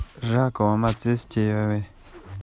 རིམ པར གསལ ལྷང ལྷང གི